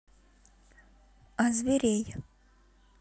а зверей